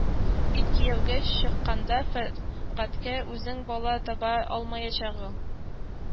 Бит кияүгә чыкканда фәргатькә үзенең бала таба алмаячагы